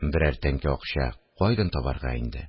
– берәр тәңкә акча кайдан табарга инде